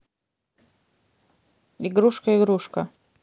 игрушка игрушка